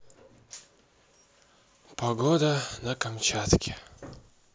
погода на камчатке